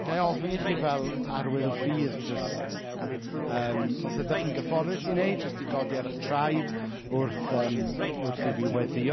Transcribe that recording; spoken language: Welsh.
Ga i ofyn i chi fel arwydd o ffydd jyst yym os ydych chi'n gyfforddus i wneud jyst i godi ar eich traed wrth ymm wrth i fi weddio.